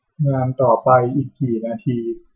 งานต่อไปอีกกี่นาที